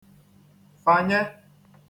fànye